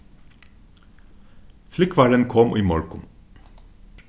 flúgvarin kom í morgun